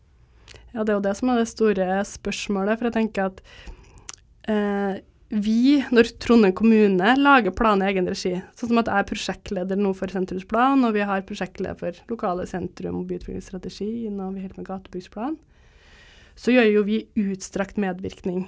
ja det er jo det som er det store spørsmålet for jeg tenker at vi når Trondheim kommune lager planer i egen regi sånn som at jeg er prosjektleder nå for sentrumsplan og vi har prosjektleder for lokale sentrum og byutviklingsstrategi og vi holder på med gatebysplan så gjør jo vi utstrakt medvirkning.